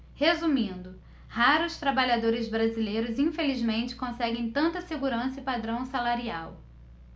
resumindo raros trabalhadores brasileiros infelizmente conseguem tanta segurança e padrão salarial